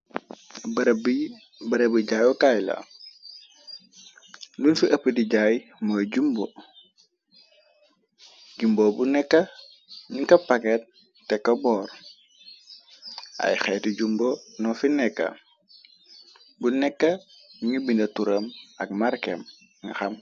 Barëb bi barab bi jaayukaay la lun su ëpp di jaay mooy jumbo jumboo bu nekka ñu ka paget te ko boor ay xeeti jumbo no fi nekka bu nekka ñu bina turam ak markem xam.